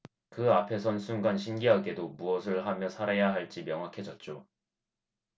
그 앞에 선 순간 신기하게도 무엇을 하며 살아야 할지 명확해졌죠